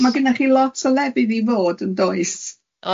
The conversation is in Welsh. So ma' gynna chi lot o lefydd i fod yndoes?